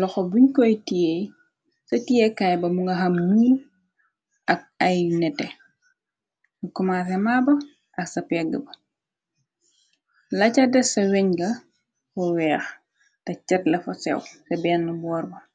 loxo buñ koy tiye ca tiyeekaay ba mu nga xam nuul ak ay nete qumasema ak sa pegg ba la ca des sa weñ fo weex te cet lafa sew ta benn boorba.